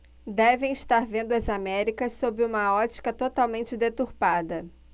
devem estar vendo as américas sob uma ótica totalmente deturpada